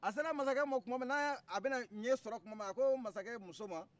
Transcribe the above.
a sera mansakɛma tuma min n'a bɛ na ɲɛsɔrɔ tuma min a ko mansakɛ muso ma